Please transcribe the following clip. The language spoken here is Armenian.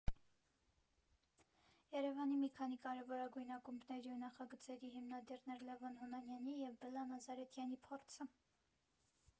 Երևանի մի քանի կարևորագույն ակումբների ու նախագծերի հիմնադիրներ Լևոն Հունանյանի և Բելլա Նազարեթյանի փորձը։